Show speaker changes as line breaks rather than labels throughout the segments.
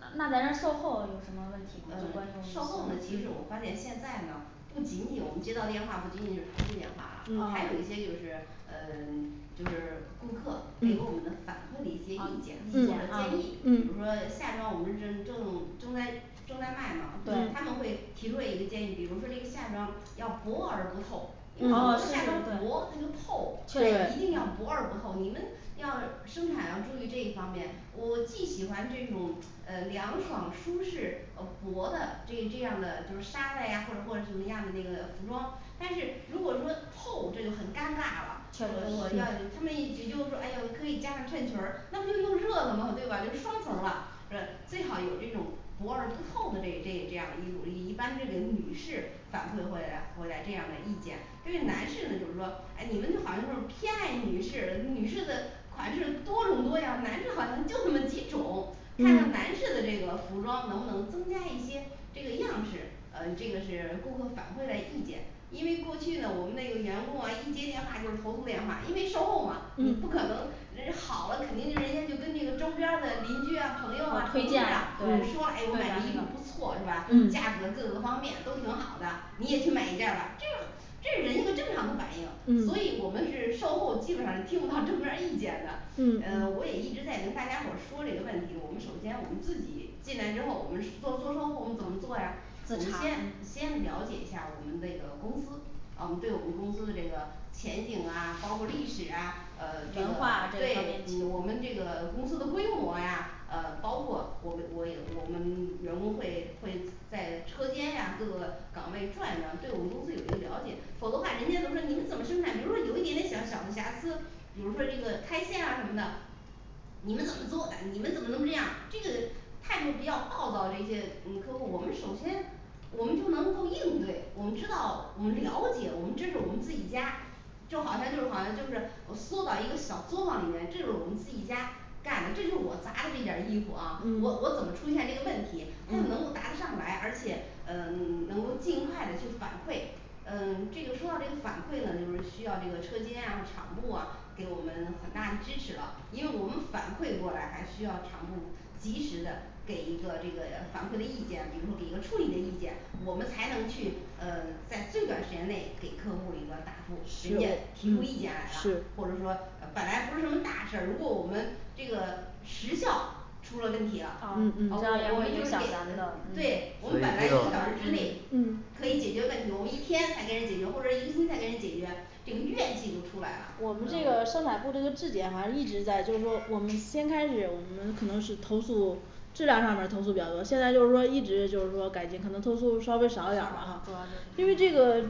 呃那咱这售后有什么问题吗关
售后
于
其实我发现现在呢不仅仅我们接到电话，不仅仅是投诉电话
嗯
了，
啊
还有一些就是呃 就是顾客给我们的
嗯
反馈的一些
啊
意见意见
嗯
和建议，比如说
嗯
夏装我们是正正在正在卖嘛他们
对
会提出了一个建议比如说是这个夏装要薄而不透因为
哦哦是
夏装
对
薄它就透所以一定
是
对
要薄而不透你们要生产要注意这一方面，我既喜欢这种呃凉爽舒适呃薄的这这样的就是纱的呀或者或者什么样的那个服装但是如果说透这就很尴尬了
确实
我
做
我要
要
他们就一直说哎呀可以加上衬裙，那么就是热的吗对吧就双层了对最好有这种薄而不透的这这这样的衣服一一般这个女士反馈回来回来这样的意见对于男士呢就是说哎你们好像就是偏爱女士女士的款式多种多样男士的好像就那么几种看看男
嗯
士的这个服装能不能增加一些这个样式，呃这个是顾客反馈的意见因为过去呢我们那个员工嘛一接电话就是投诉电话，因为售后嘛你不可
嗯
能人家好了肯定就人家就跟这个周边儿的邻居啊朋友啊
推
推荐
荐啊
你
对
们说我哎买的衣服不错是吧价格
嗯
各个方面都挺好的你也去买一件吧这个这人一个正常的反应，所以我们
嗯
是售后基本上是听不到正面意见的呃我也
嗯
一直在跟大家伙儿说这个问题，我们首先我们自己进来之后，我们是做做售后我们怎么做呀我
等
们
查
先
清楚
先了解一下儿我们那个公司啊我们对我们公司这个前景呀，包括历史呀啊这
文
个
化啊这一方
对我
面
们这个公司的规模儿呀啊包括我们我也我们员工会会在车间呀各个岗位转着对我们公司有一个了解，否则的话人家都说你们怎么生产，比如说有一点点小小的瑕疵比如说这个开线啊什么的你们怎么做的你们怎么能这样这个态度比较暴躁，这些嗯客户我们首先我们就能够应对我们知道我们了解我们这是我们自己家就好像就好像就是呃缩到一个小作坊里面，这个我们自己家干的，这是我匝的这件衣服啊，我我
嗯
怎么出现这个问题，他能够
嗯
答得上来，而且嗯能够尽快的去反馈嗯这个说到这个反馈呢就是需要这个车间啊厂部啊给我们很大的支持了，因为我们反馈过来还需要厂部及时的给一个这个反馈的意见，比如说给一个处理的意见，我们才能去嗯在最短时间内给客户儿一个答复，人家
是
提出意见来了
是，
或者说呃本来不是什么大事，如果我们这个时效出了问题了
啊
我
嗯嗯
当
我
然
们就
影
是
响
给
咱们的
对我们本来一个小时之内
嗯
可以解决问题，我们一天才给人解决或者一个星期才给人解决这个怨气就出来了
我们这个生产部这个质检反正一直在，就是说我们先开始，我们可能是投诉质量上面儿投诉比较多，现在就是说一直就是说感觉可能投诉
嗯
稍微少点儿了，啊
对嗯
因为这个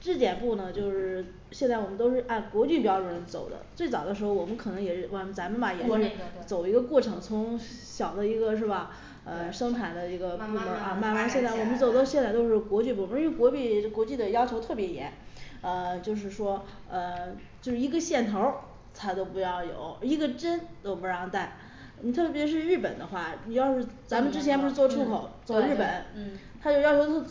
质检部呢就是现在我们都是按国际标准走的，最早的时候儿我们可能也管咱
做这个
们吧做那个走一个过
对
程从小的一个是吧
呃
对
生产的一
对
个
慢
你
慢慢慢发展起
看
来
我们
嗯
走现在都是国际部，因为国际国际的要求特别严啊就是说呃出 就是一根线头他都不要有一个针都不让带你特别是日本的话，你要是
更严格嗯对对
咱们之前不做日做日本
嗯，
他就要求都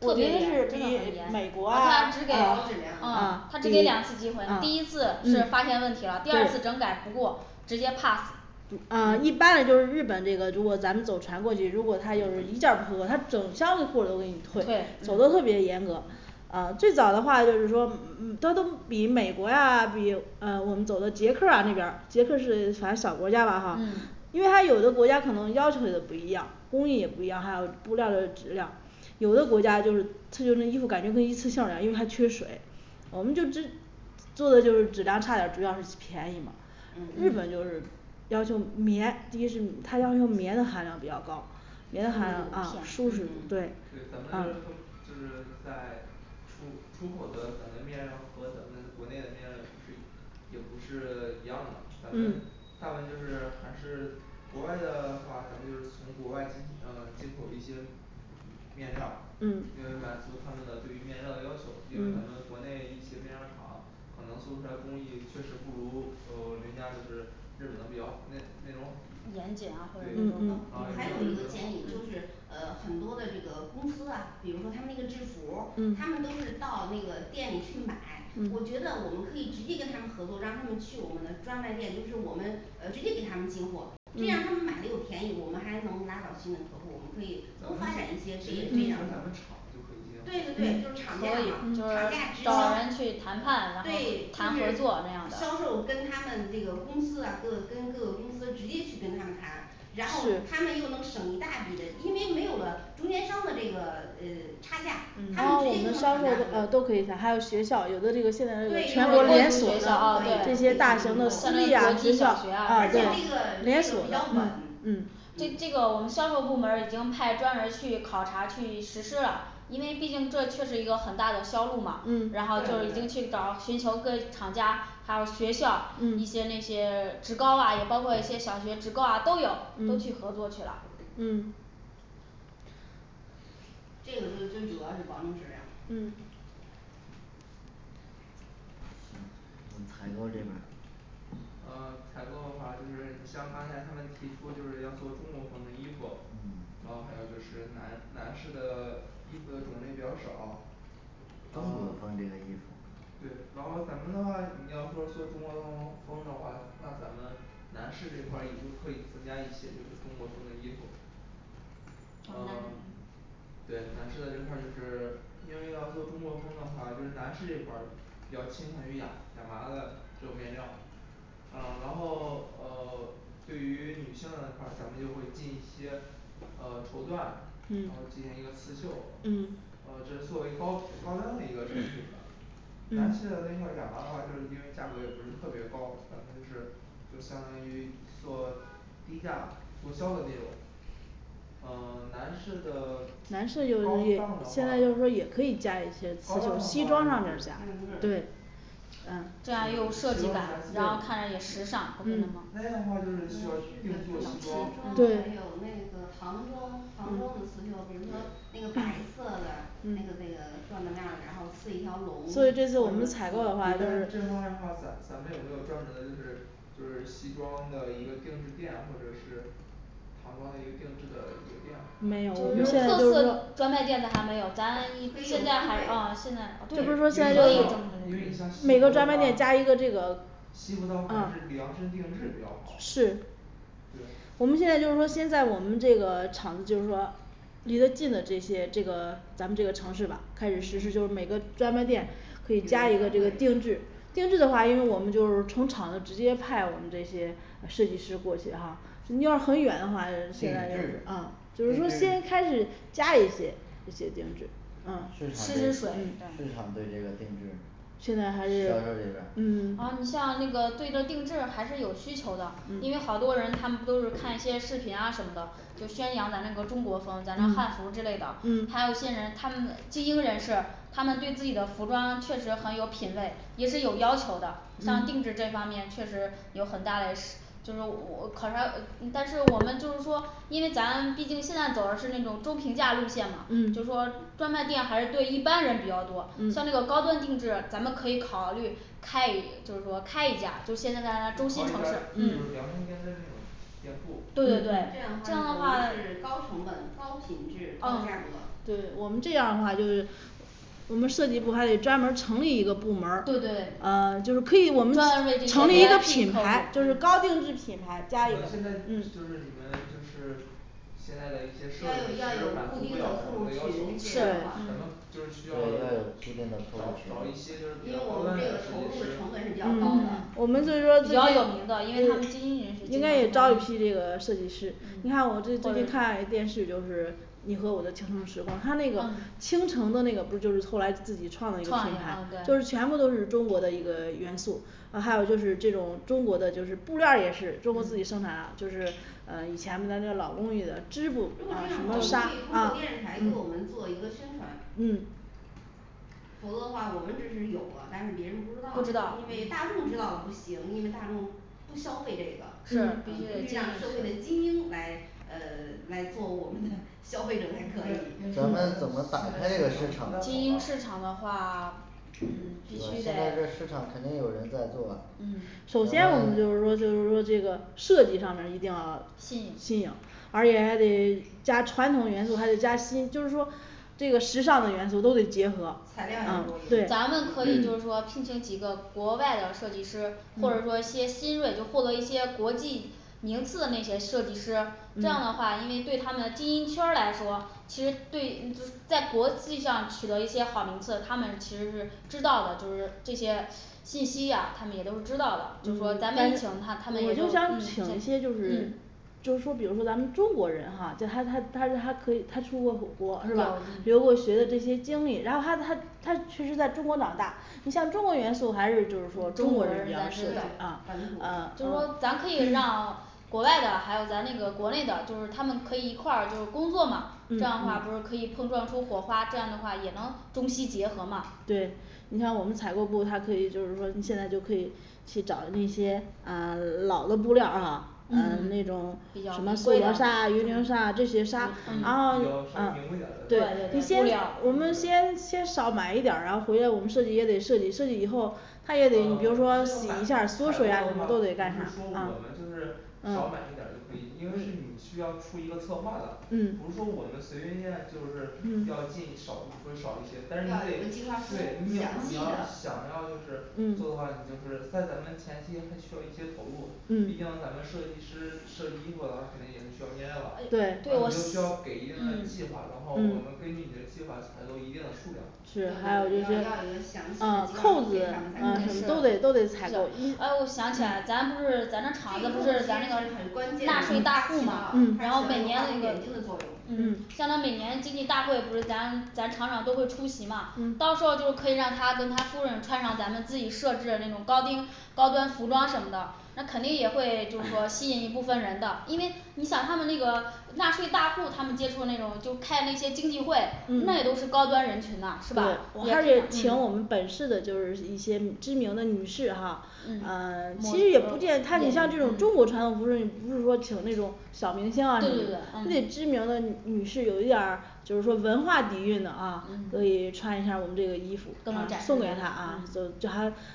特
特
别
别严
就
特别
是美
严
国啊
他只给
高质量嗯
啊嗯
啊他只给
对
两次机会，第一次是发现问题了，第二次整改不过直接pass
啊一般的就是日本这个如果咱们走船过去，如果他有一件儿裤子，他整箱的裤子都给你
退
退走的特别严
嗯
格啊最早的话就是说嗯他都比美国啊比啊我们走的捷克儿啊那边儿捷克是反正小国家了哈
嗯
因为它有的国家可能要求的不一样，工艺也不一样，还有布料的质量有的国家就是刺绣的衣服感觉威尼斯效感因为它缺水，啊我们就质做的就是质量差点儿，主要是便宜嘛
嗯
日本就是要求棉第一是它要求棉的含量比较高棉料啊
显淑女
嗯对
对咱们还要
啊
从就是在出出口的可能面料和咱们国内的面料是也不是一样的，咱们大部分就是还是国外的话，咱们就是从国外进啊进口一些面料儿
嗯
因为满足他们的对于面料的要求因为咱们
嗯
国内一些面料儿厂可能做出来工艺确实不如嗯人家就是日本的比较那那种
严谨啊或者怎么说嗯嗯
还有一个建议就是呃很多的这个公司啊，比如说他们那个制服儿，他们都是到那个店里去买我觉得我们可以直接跟他们合作，让他们去我们的专卖店，就是我们呃直接给他们进货，这样他们买的又便宜，我们还能拉到新的客户，我们可以
对啊咱们直接可以跟
多发展一些可以这样
咱们厂就，可
对
以订
对对
嗯
就厂
可
价
以
嘛厂家
就
直销，
找
对
人去谈判然后谈
就
合
是
作
做
那样的
销售，跟他们这个公司或者是跟各个公司直接去跟他们谈然后他们又能省一大笔的，因为没有了中间商的这个呃差价
嗯
他
然后
们
我
直接
们到
从厂
时候这
家
个都可以谈还有学校有的是现在
对幼儿园儿而且这个那个比
啊对像那种技校
较
嗯嗯
稳
这这个我们
嗯
销售部门儿已经派专人去考察去实施了，因为毕竟这确是一个很大的销路嘛，然后
嗯
就已
对
经去
对
找寻求各个厂家，还有学校一些那些
嗯
职高啊，也包括一些小学职高都有都去合作去了
这个最最主要是保证质量
嗯
行嗯采购这块儿
呃采购的话就是像刚才他们提出就是要做中国风的衣服
嗯，
然后还有就是男男士的衣服的种类比较少然
中
后
国风这个衣服
对，然后咱们的话你要说做中国风风的话，那咱们男士这块儿也就可以增加一些就是中国风的衣服
就
呃
男
对男士的这块儿就是因为要做中国风的话就是男士这块儿比较倾向于亚亚麻的这种面料啊然后呃对于女性的那块儿，咱们就会进一些呃绸缎，然后进行一个
嗯
刺绣，
嗯
呃这是作为高高端的一个产品的，男士的
嗯
那块儿亚麻的话就是是因为价格也不是特别高咱们就是就相当于做低价做销的那种呃男士的
男士这
高
东西
高
现在就
档
是说也可
的
以加一
话
些
高
西
档
装上的
的
加
话
嗯对
对
嗯这样又有设计感，然后看着也时尚不会那么
嗯
那样的话，就是需要定做
中山
西
装
装对
还有
对
那
对
个唐装唐装的刺绣，比如说
对
那个白色的那个那个
嗯
缎子面儿的，然后刺一条龙
我们
就是说这这
采购的话
方面的话咱咱们有没有专门儿的就是就是西装的一个定制店，或者是唐装的一个定制的一个店
没有对
就是
特色
说
的
专卖店的还没有咱
有对
现在还是
对不是说
因为你像因为你像
每
西
个
服
专卖
的
店
话
加一个这个
西服倒可能
嗯
是量身定制比较好
是
对
我们现在就是说现在我们这个厂子就是说离得近的这些这个咱们这个城市吧开始实施就是
嗯
每个专卖店
给个优
可以加一个所谓定
惠
制，定制的话，因为我们就是从厂子直接派我们这些设计师过去哈你要很远的话，
定制定制
现在就是啊就是说先开始加一些这些定制呃
市场市
实短运这
场
样的
对这个定制
现在
销
还也有
售这边儿
嗯
呃你像那个对这定制还是有需求的，因为
嗯
好多人他们都是看一些视频啊什么的，就宣扬咱那个中国风，咱这汉服之类的
嗯嗯
还有一些人他们精英人士，他们对自己的服装确实很有品位，也是有要求的像定制这
嗯
方面确实有很大嘞市 就是我考察，嗯但是我们就是说因为咱毕竟现在走的是那种中平价路线嘛就是说
嗯
专卖店还是对一般人比较多，像那个
嗯
高端定制咱们可以考虑开一就是说开一家就是现在大家都
酒开一家就是量
嗯
身定制那种店铺
对对对这
这
样
样
的
话
话
我们是高成本高品质高价
哦
格
对对我们这样的话就是我们设计部还得专门儿成立一个部门儿
对对对
呃
嗯
就是可以我们的成立一个品牌就是高定制品牌
我们现在就是
加一个嗯
你们就是现在的
要
一
有要
些
有
设
固定的
备
客
符
户
合
群
要
这样
求可
嗯
能就是
就
需
是
要
要有固定的客户儿
找找一
群
些就是
因
比
为
较
我
高端
们这个
的设
投
计
入
师
的成本是比较高
嗯
的
我们做一个
比较有
嗯
名的，因为他们精英人士
应该
或
也招一批设计师你看我就去看电视就是你和我的倾城时光，他那个
啊
倾城的那个不就是后来自己创的一
创了一
个
个啊
就
对
全部都是中国的一个元素呃还有这种中国的就是布料儿也是中国自己生产就是呃以前的那老宫女织
如果这样的话，我们可以通过
布啊嗯嗯
电视台给我们做一个宣传否则的话我们只是有了，但是别人不
不知
知
道
道因为
嗯
大众知道了不行，因为大众不消费这
是
个，必
必须得
须让社会的精英来呃来来做，我们的 消费者
跟
才可以
咱们
跟
怎么打开这个市场
跟跟精英市场的话嗯必须
现在
在
这市场肯定有人在做了
嗯
咱
首先我们
们
就是说就是说这个设计上一定要新
新
颖
颖
而且还得加传统元素，还有加新就是说这个时尚的元素都得结合
材料儿要
嗯
做一
对
个
咱们可以就是说聘请几个国外的设计师，或者说那些精锐又获得一些国际名次的那些设计师，这样的
嗯
话因为对他们精英圈儿来说，其实对嗯不在国际上取得一些好名次，他们其实是知道的，就是这些信息呀他们也都知道了就是说咱们要一请他他们
应
也都嗯
该请一些
对
就是
嗯
就是说比如说咱们中国人哈，就他他他他他可以他去过美国
是吧
留
嗯
过学这些经历，然后他他他其实在中国长大你像中国元素还是就是说中国人在吃
对
啊
本土
啊
就说咱可以让国外的还有咱那个国内的就是他们可以一块儿就是工作嘛，
嗯
这样的话不是
嗯
可以碰撞出火花，这样的话也能中西结合吗
对你像我们采购部他可以就是说呢现在就可以去找那些呃老的布料儿啊嗯，那种比
碧乔
较名
缎
贵的嗯对布
菱角纱这些纱
稍微
然后
名贵点儿的
料我们先先少买一点儿，然后回来我们设计也得设计以后
啊这个买采购的话不是说我们
它也得比如说这个门店儿租赁啊都得在啊
就是少买一
嗯
点儿就可以，因为是你需要出一个策划的，
嗯
不是说我们随随便便就是要
嗯
进少说少一些，但是你得
要有个计划书
对你想
详细的
要就是策划
嗯
你就是在咱们前期还需要一些投入毕竟
嗯
咱们设计师设计衣服的话肯定也是需要面料了，然
对
后你就需要给一定的
嗯
计划，然后我们
嗯
根据你的计划采购一定的数量
是对对对啊
对对对要要有一个详细的计划书
对
给他们
啊
才可
是
以
都得都得采购
哦我想起来咱不是咱那厂
这
子
个步骤之
夏
间是很关键的点
天
睛
大众的还要每年
的作用
嗯像他每年经济大会不是咱咱厂长都会出席吗，嗯到时候就可以让他跟他夫人穿上咱们自己设置的这种高定高端服装什么的，那肯定也会就是说吸引一部分人的，因为你想他们那个纳税大户，他们接触那种就开着那些经济会那也都是高端人群呢是吧嗯
嗯对我们也请我们本市的就是一些知名的女士哈，啊
嗯
其实也不见他也像这种中国传统，不是说不是说请那种小明星啊之
对对
类
对
的，
嗯
那知名的女女士有一点儿就是说文化底蕴的啊自
嗯
己穿一下儿我们这儿的衣服
就自己
叫
就
她
送给她啊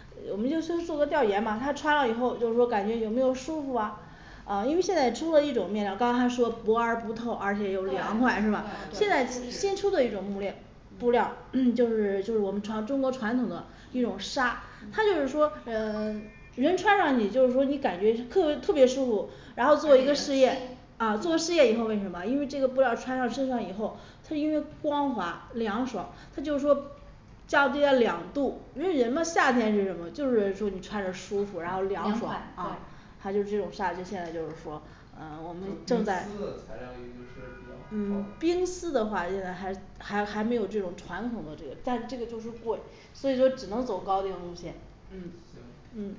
呃我们就做社会调研嘛，她穿了以后就是说感觉有没有舒服啊啊因为现在出了一种面料，刚才她说的薄而不透，而且
对对对对
又凉快是吧现在就是新出的一种布类布料 就是就是我们传中国传统的一种纱，它就是说呃 人穿上去就是说你感觉特特别舒服，然后做一个
而
实
且
验
啊
做实验以后为什么因为这个布料穿上身上以后它因为光滑凉爽，它就是说降低了两度，因为人嘛夏天是什么？就是说你穿着舒服然后
凉
凉
快
快
对
啊它就这种纱就现在就是说
就冰
呃我们正
丝的
在
材料也就是比较好
嗯
的
冰丝的话应该还还还没有这种传统的这个，但这个就是做所以说只能走高定路线嗯
行
嗯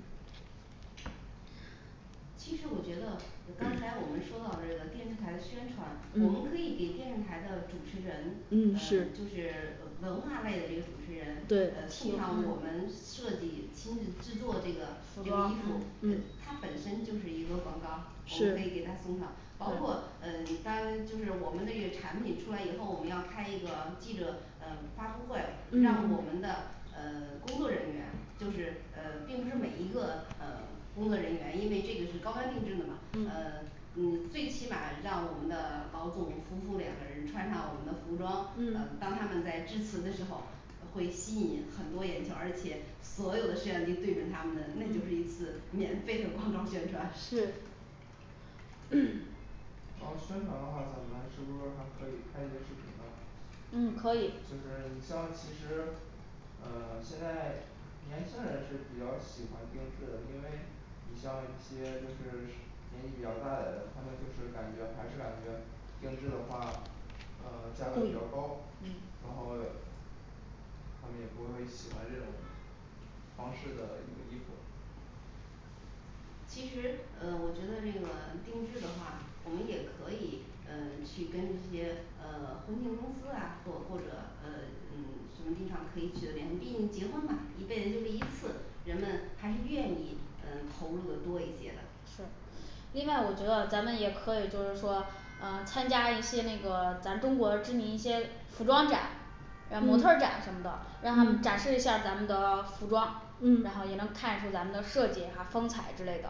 其实我觉得就刚才我们说到这个电视台的宣传，我们可
嗯
以给电视台的主持人
嗯
呃
是
就是呃文化类的这个主持人呃
对
送上我们设计亲自制制作这个
服
这个衣
装
服，呃
嗯
他本身就是一个广告是被
是
给他送上，包括呃当然就是我们这个产品出来以后，我们要开一个记者呃发布会，让我
嗯
们的呃工作人员就是呃并不是每一个呃工作人员，因为这个是高端定制的嘛呃
嗯
嗯最起码让我们的老总夫妇两个人穿上我们的服装，呃
嗯
当他们在致辞的时候呃会吸引很多眼球，而且所有的摄像机对准他们，那就是一
嗯
次免费的广告宣传
是
然后宣传的话，咱们是不是还可以拍一些视频
嗯可以
呢就是像其实呃现在年轻人是比较喜欢定制的，因为你像一些就是是 年纪比较大点儿的，他们就是感觉还是感觉定制的话呃价
可
格比
以
较高
嗯
然后他们也不会喜欢这种方式的一个衣服
其实呃我觉得这个定制的话，我们也可以呃去跟这些呃婚庆公司啊或或者呃嗯什么地方可以取得联系，毕竟结婚嘛一个人就这一次人们还是愿意呃投入的多一些的
是另外我觉得咱们也可以就是说呃参加一些那个咱中国知名一些服装展让模特
嗯
展什么的，让他们展示一下咱们的服装，然后也
嗯
能看出咱们的设计和风采之类的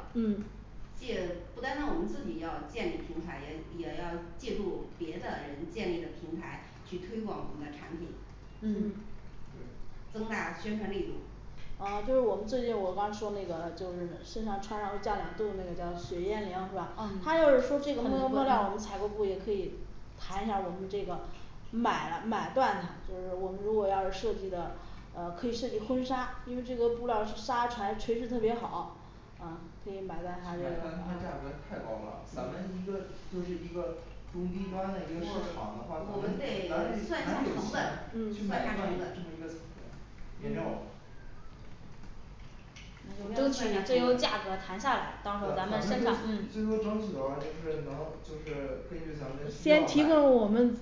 借不单单我们自己要建立平台，也也要借助别的人建立的平台去推广我们的产品
嗯
嗯
对
增大宣传力度
呃就是我们最近我刚说那个就是身上穿上缎的最近都叫雪烟绫是吧
嗯
他就是说那种的布料，我们采购部也可以谈一下我们这个买买断的，就是我们如果要设计的呃可以设计婚纱，因为这个布料儿纱材垂直特别好呃可以买
其买断
断
它
它的
价格太高了，咱们一个就是一个中低端的一个市场的话
我，我
我们
们
哪
得要
哪有
算一
钱
下成本算一下成本
去买断一这么一个资源面料啊
我们要
根
算
据
下成
最优价格
本
谈下来到时候咱们生产
咱咱们都最多争取的话就是能就是根据咱们
先
需
提供我
要买
们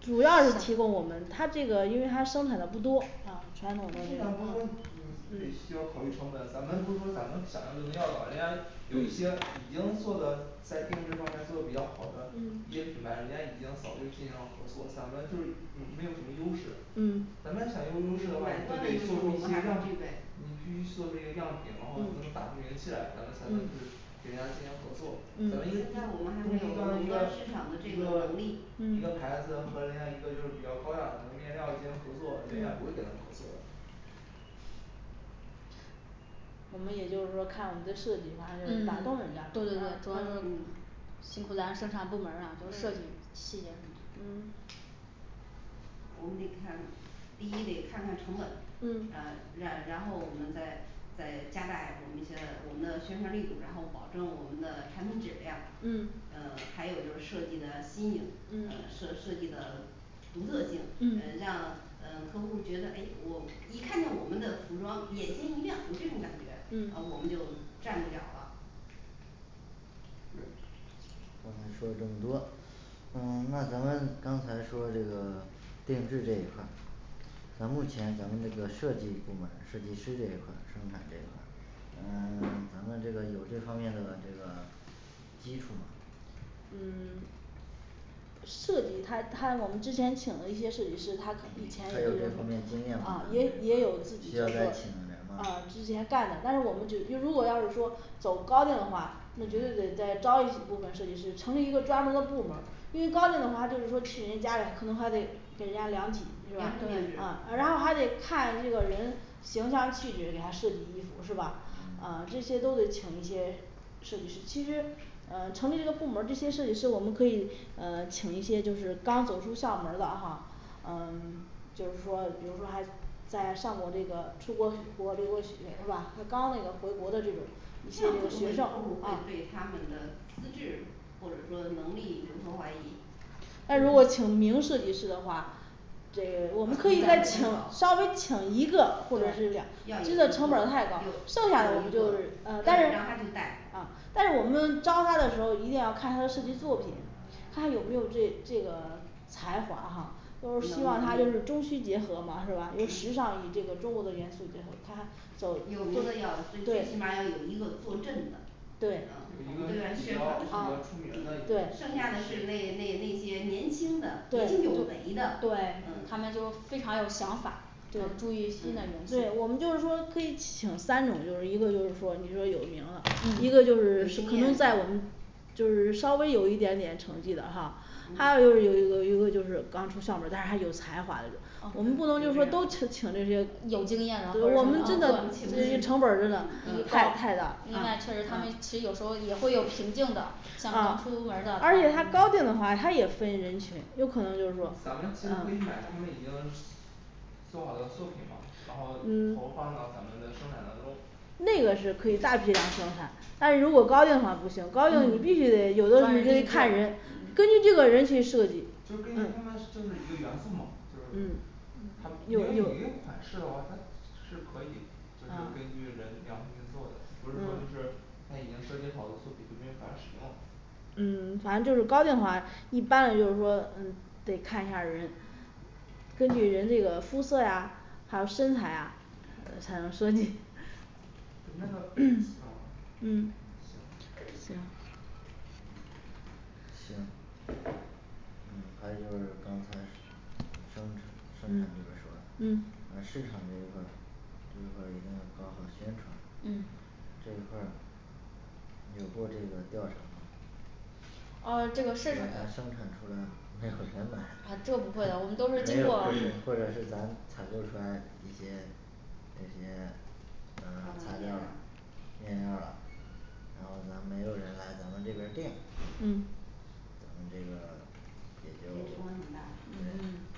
主要是提供我们它这个因为它生产的不多啊传统
生产不
的嗯
多也也需要考虑成本，咱们不是说咱们想要就能要的，人家有一些已经做的在定制这方面做得比较好的一
嗯
些品牌，人家已经早就进行了合作，咱们就是嗯没有什么优势
嗯
咱们想要入围的话就可
买断
以就可以做出样品你必须设备样品然后你
嗯
能打出名气来咱们才能就
嗯
是给人家进行合作，
嗯
咱们一
现
个就一个
在我们还没有一个市场的这
一
个
个
能力
一个
嗯
牌子和人家一个就是比较高雅的面料进行合作人家也不会给咱们合作的
我们也就是说看我们的设计
嗯
还是打动人家嗯
对对对主要是
嗯
辛苦咱生产部门儿了就设计细节什么的
我们得看第一得看看成本，
嗯
呃然然后我们再再加大我们一些我们的宣传力度，然后保证我们的产品质量
嗯，
呃还有就是设计的新颖，呃
嗯
设设计的独特性呃
嗯
让呃客户儿觉得诶我一看见我们的服装，眼睛一亮，有这种感觉，呃我
嗯
们就站住脚儿了
对
呃说了这么多呃那咱们刚才说这个定制这一块儿咱目前咱们那个设计部门儿设计师这一块儿，生产这一块儿嗯 咱们这个有这方面的这个基础吗
嗯 设计他他我们之前请了一些设计师，他以
嗯
前
他有
有这
这方面经
个
验吗
啊也也有自己
需
的
要再请人吗
啊之前干的，但是我们只就如果要是说走高定的话，就绝对得再招一些部分设计师成立一个专门儿的部嘛因为高定的话就是说请人家可能还得给人家量体
量身定，制
啊然后还得看这个人形象气质给他设计衣服是吧呃这
嗯
些都得请一些设计师其实呃成立这个部门儿，这些设计师我们呃可以请一些就是刚走出校门儿的哈呃就是说比如说还在上过那个出国读过留过学是吧就刚那个回国的这种
这样会不
学
会客
校
户
啊
儿会对他们的资质或者说能力有所怀疑
那如果请名设计师的话，这个我们可以再请稍微请一个或者是两
要一个有有有一个对让
这样成本太高剩下的就是呃但是
他去
嗯
带啊
但是我们招他的时候儿一定要看他的设计作品，他有没有这这个才华哈都是希望他就是中西结合嘛是吧时尚与这个中国元素结合
他有有一个要最最起码
对
要有一个坐镇的呃对外宣
有一个
传的
是比
时候
较比较出名的一个
儿，剩下的是那那那些年轻的
对对对
年轻有为的
对
嗯
他们就非常有想法
嗯
要注意新的领
嗯
对
域
我们就是说可以请三种就一个就是说比如说有名了一个
有经验的
就是可能在我们就是稍微有一点点成绩的哈还有
嗯
就有有一个就是刚出校门但是很有才华的啊我们
嗯
不能就说都请请这些
有经验
啊
的或者是啊
我们真的我们请这些成本真的太太大了啊
另
啊
外确实他们其实有时候也会有瓶颈的像刚
啊
出门儿的
而且他高定的话他也分人
咱们
群，有可能就是说啊
其实可以买他们已经做好的作品嘛，然后
嗯
投放到咱们的生产当中
那个是可以大批量生产但是如果高定的不行高定的你必
嗯
须得有的你得看人根据这个人去设计
就是根据他们就是一个元素嘛就是
嗯
它也有也有款式啊它是可以就是
啊
根据人量身定做的，不是说就
嗯
是他已经设计好的作品就没有法使用了
嗯 反正这种高定的话，一般的就是说嗯得看一下儿人根据人这个肤色呀，还有身材呀呃才能设计
等那个嗯
嗯
行
行
行嗯还有一个就是说刚嗯生产生产这边儿说了
嗯
呃市场这一块儿这一块儿一定要抓好宣
嗯
传这一块儿有过这个调查吗
啊这个
那咱生
市
产出来任何成本
啊
没
这
有
不会
或
的，我们
者
都是经过
或者是咱采购出来一些这些
呃
嗯材
面料
料
儿
儿啦面料儿啦然后咱们没有人来咱们这边儿定
嗯
我们
也成
这
本很大
个